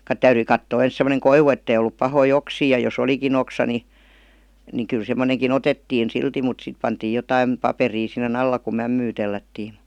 - täytyi katsoa ensin semmoinen koivu että ei ollut pahoja oksia ja jos olikin oksa niin niin kyllä semmoinenkin otettiin silti mutta sitten pantiin jotakin paperia sinne alla kun mämmiä tellättiin -